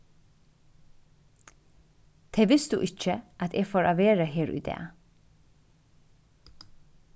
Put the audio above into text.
tey vistu ikki at eg fór at vera her í dag